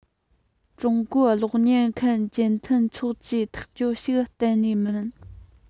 ཀྲུང གོ གློག བརྙན མཁས ཅན མཐུན ཚོགས གྱི ཐག གཅོད ཞིག གཏན ནས མིན